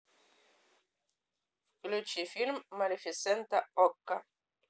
включи фильм малефисента окко